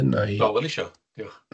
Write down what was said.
###neu... O welesh i o, diolch.